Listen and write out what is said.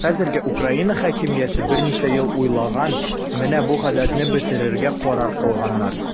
Хәзерге Украина хакимияте берничә ел уйлаган, менә бу гадәтне бетерергә карар кылганнар.